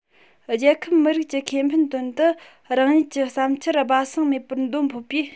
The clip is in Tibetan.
རྒྱལ ཁབ མི རིགས ཀྱི ཁེ ཕན དོན དུ རང ཉིད ཀྱི བསམ འཆར སྦ གསང མེད པར འདོན ཕོད པས